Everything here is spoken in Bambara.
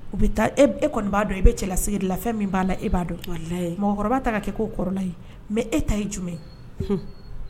U bɛ taa e kɔni b'a dɔn e bɛ cɛlasigi la fɛn min b'a la e b'a dɔnla mɔgɔkɔrɔba ta kɛ' kɔrɔla ye mɛ e ta ye jumɛn